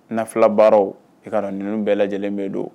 Nafila baaraw i kana ninnu bɛɛ lajɛlen bɛ don